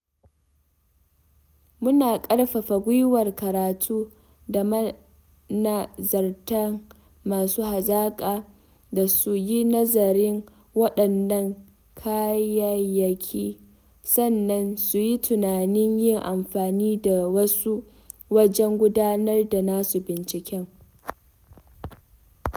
Muna ƙarfafa gwiwar karatu da manazartan masu hazaƙa da su yi nazarin waɗannan kayayaki sannan su yi tunanin yin amfani da wasu wajen gudanar da nasu binciken.